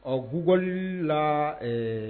Ɔ bɔli la ɛɛ